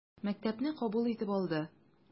Мәктәпне кабул итеп алды.